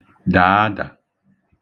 dà adà